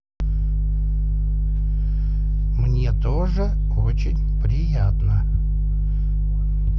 мне тоже очень приятно